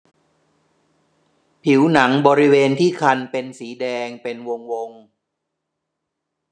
ผิวหนังบริเวณที่คันเป็นสีแดงเป็นวงวง